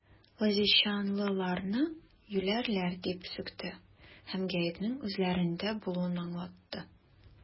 Лозищанлыларны юләрләр дип сүкте һәм гаепнең үзләрендә булуын аңлатты.